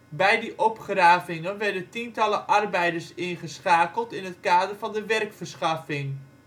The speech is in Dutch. Bij die opgravingen werden tientallen arbeiders ingeschakeld in het kader van de werkverschaffing